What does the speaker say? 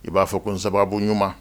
I b'a fɔ ko sababuɲumanuma